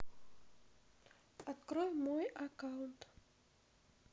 открыть мой аккаунт